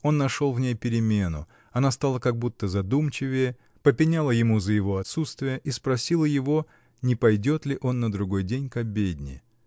Он нашел в ней перемену: она стала как будто задумчивее, попеняла ему за его отсутствие и спросила его: не пойдет ли он на другой день к обедне?